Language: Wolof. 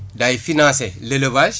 day financé l' élevage